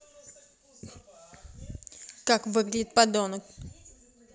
как выглядит подонок